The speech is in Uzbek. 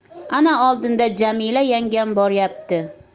ana oldinda jamila yangam boryapti